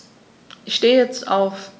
Ich stehe jetzt auf.